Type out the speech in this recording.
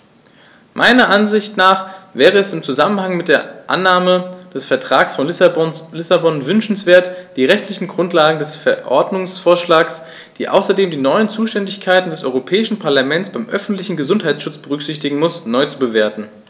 Meiner Ansicht nach jedoch wäre es im Zusammenhang mit der Annahme des Vertrags von Lissabon wünschenswert, die rechtliche Grundlage des Verordnungsvorschlags, die außerdem die neuen Zuständigkeiten des Europäischen Parlaments beim öffentlichen Gesundheitsschutz berücksichtigen muss, neu zu bewerten.